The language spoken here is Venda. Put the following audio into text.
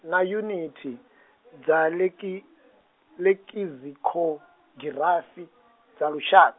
na yuniti, dza leki- lekizikogirasi-, dza lusha-.